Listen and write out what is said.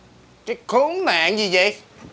cái khốn nạn gì dậy